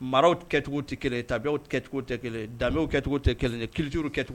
Maraw kɛcogo tɛ kelen tabi kɛcogo tɛ kelen daw kɛcogo tɛ kelen kilijuru kɛcogo